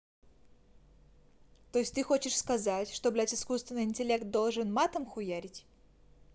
то есть ты хочешь сказать что блядь искусственный интеллект должен матом хуярить